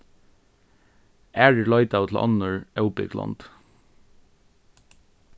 aðrir leitaðu til onnur óbygd lond